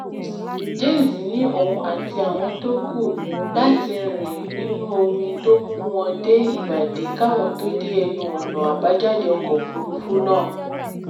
Jaynes ní òun àti àwọn t’ọ́n kù láti rìn nínú omi tó mù wọ́n dé ìbàdí k’áwọn tó dé ẹnu ọ̀nà àbájáde ọkọ̀-òfúrufú náà.